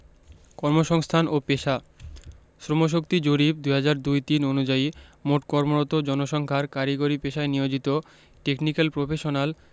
কর্মসংস্থান ও পেশাঃ শ্রমশক্তি জরিপ ২০০২ ০৩ অনুযায়ী মোট কর্মরত জনসংখ্যার কারিগরি পেশায় নিয়োজিত টেকনিকাল প্রফেশনাল